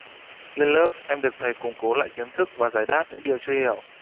lên lớp em được thầy củng cố lại kiến thức và giải đáp những điều chưa hiểu